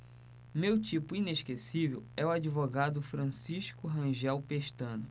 meu tipo inesquecível é o advogado francisco rangel pestana